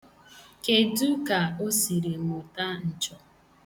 Kedu ka o siri mụta nchọ?